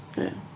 Ia.